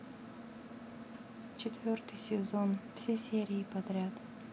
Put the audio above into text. четвертый сезон все серии подряд